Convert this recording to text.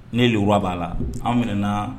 Ne leura b'a la an minɛɛna